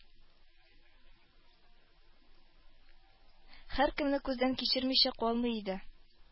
Һәркемне күздән кичермичә калмый иде.